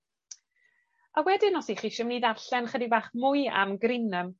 A wedyn os 'ych chi isie myn' i ddarllen chydig bach mwy am Greenham,